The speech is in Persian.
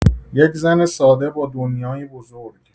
یک زن ساده با دنیایی بزرگ.